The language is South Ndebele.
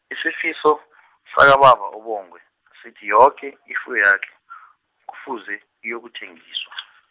isifiso , sakababa uBongwe, sithi yoke ifuyo yakhe , kufuze, iyokuthengiswa.